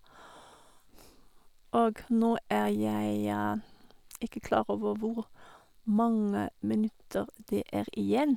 Og nå er jeg ikke klar over hvor mange minutter det er igjen.